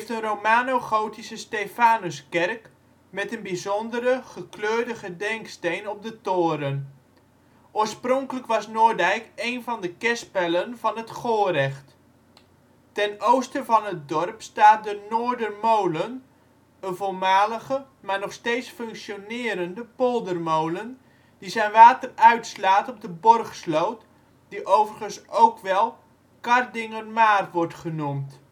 romano-gotische Stephanuskerk met een bijzondere, gekleurde gedenksteen op de toren. Oorspronkelijk was Noorddijk een van de kerspelen van het Gorecht. Ten oosten van het dorp staat de Noordermolen, een voormalige, maar nog steeds functionerende poldermolen, die zijn water uitslaat op de Borgsloot, die overigens ook wel het Kardingermaar wordt genoemd